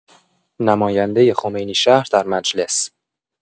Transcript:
نماینده خمینی‌شهر در مجلس